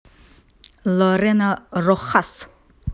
лорена рохас